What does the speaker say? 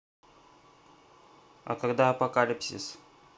а когда апокалипсис